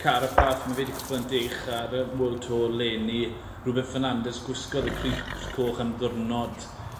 Carapaz ma' fe 'di cwpla'n deg ucha ar y World Tour leni Rubén Fernández gwisgodd y crys coch am ddiwrnod